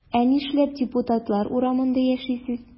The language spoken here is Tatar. Ә нишләп депутатлар урамында яшисез?